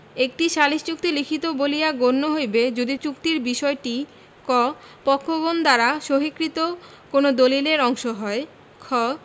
একটি সালিস চুক্তি লিখিত বলিয়া গণ্য হইবে যদি চুক্তির বিষয়টি ক পক্ষগণ দ্বারা সহিকৃত কোন দলিলের অংশ হয় খ